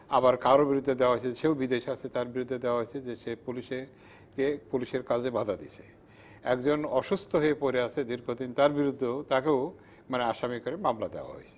আবার কারো বিরুদ্ধে দেয়া হয়েছে সেও বিদেশ আছে তার প্রতি দেয়া হয়েছে যে সে পুলিশে পুলিশের কাজে বাধা দিয়েছে একজন অসুস্থ হয়ে পড়ে আছে দীর্ঘদিন তার বিরুদ্ধে তাকেও মানে আসামি করে মামলা দেয়া হয়েছে